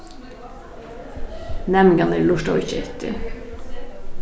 næmingarnir lurtaðu ikki eftir